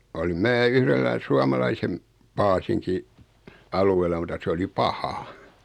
olin minä yhdellä suomalaisen paasinkin alueella mutta se oli paha